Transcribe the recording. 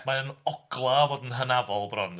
Mae'n ogla o fod yn hynafol bron.